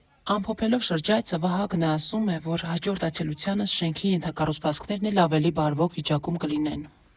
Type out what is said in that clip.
Ամփոփելով շրջայցը՝ Վահագնը ասում է, որ հաջորդ այցելությանս շենքի ենթակառուցվածքներն էլ ավելի բարվոք վիճակում կլինեն։